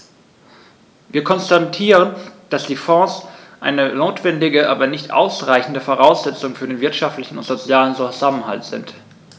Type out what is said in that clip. Wir konstatieren, dass die Fonds eine notwendige, aber nicht ausreichende Voraussetzung für den wirtschaftlichen und sozialen Zusammenhalt sind.